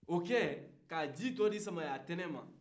o kɛ ka ji dɔ di samayatɛnɛn ma